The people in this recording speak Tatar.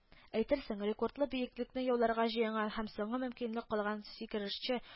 Әйтерсең, рекордлы биеклекне яуларга җыенган һәм соңгы мөмкинлек калган сикерешче